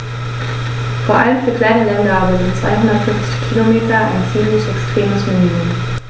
Vor allem für kleine Länder aber sind 250 Kilometer ein ziemlich extremes Minimum.